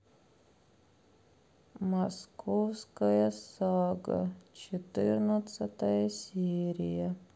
московская сага четырнадцатая серия